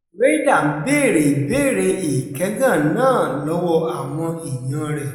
Reyder ń béèrè ìbéèrè ìkẹ́gàn náà lọ́wọ́ àwọn èèyàn-an rẹ̀.